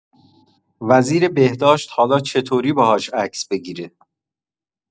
وزیربهداشت حالا چطوری باهاش عکس بگیره؟